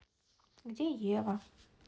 где ева